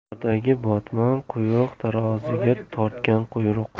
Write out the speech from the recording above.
bozordagi botmon quyruq taroziga tortgan quyruq